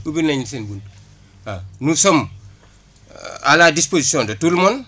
ubbil naén la suñ bunt waa nous sommes à la disposition de tout le monde